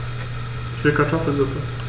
Ich will Kartoffelsuppe.